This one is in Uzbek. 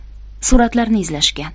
suratlarni izlashgan